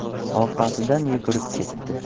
orqasidan yugurib ketdi